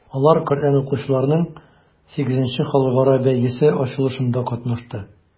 Алар Коръән укучыларның VIII халыкара бәйгесе ачылышында катнашты.